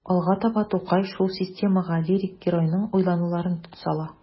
Алга таба Тукай шул системага лирик геройның уйлануларын сала.